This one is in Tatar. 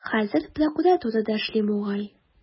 Хәзер прокуратурада эшли бугай.